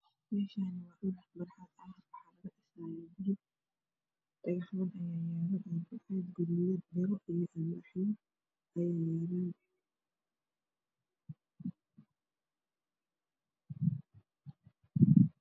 Meeshaani waa barxad dhagax man ayaa yaalo bacaad guduunan Aya ayaalo